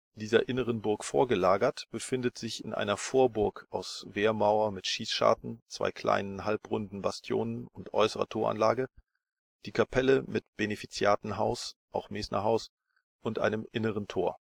Dieser inneren Burg vorgelagert befindet sich in einer Vorburg aus Wehrmauer mit Schießscharten, zwei kleinen halbrunden Bastionen und äußerer Toranlage die Kapelle mit Benefiziatenhaus (auch Mesnerhaus) und einem mittleren Tor